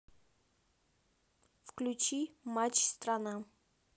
включи матч страна